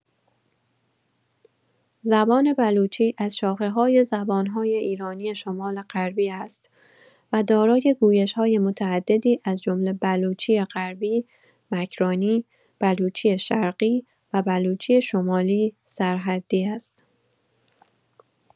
زبان بلوچی از شاخه‌های زبان‌های ایرانی شمال‌غربی است و دارای گویش‌های متعددی از جمله بلوچی غربی (مکرانی)، بلوچی شرقی و بلوچی شمالی (سرحدی) است.